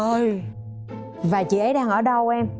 trời và chị ấy đang ở đâu em